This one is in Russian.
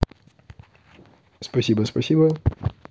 спасибо спасибо